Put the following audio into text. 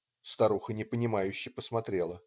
Старуха непонимающе посмотрела.